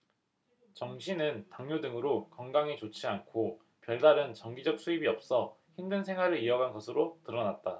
정씨는 당뇨 등으로 건강이 좋지 않고 별다른 정기적 수입이 없어 힘든 생활을 이어간 것으로 드러났다